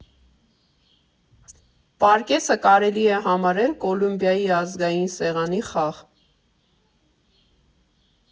Պարկեսը կարելի է համարել Կոլումբիայի ազգային սեղանի խաղ։